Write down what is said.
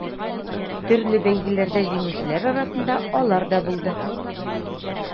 Төрле бәйгеләрдә җиңүчеләр арасында алар да булды.